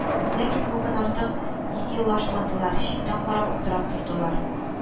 Ләкин бүген артык елышмадылар, читтән карап аптырап тордылар